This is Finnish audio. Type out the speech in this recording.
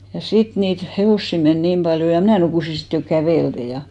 ja sitten niitä hevosia meni niin paljon ja minä nukuin sitten jo kävellen ja